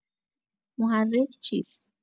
محرک چیست؟